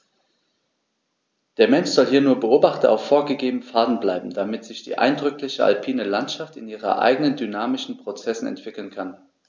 Der Mensch soll hier nur Beobachter auf vorgegebenen Pfaden bleiben, damit sich die eindrückliche alpine Landschaft in ihren eigenen dynamischen Prozessen entwickeln kann.